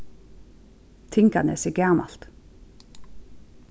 tinganes er gamalt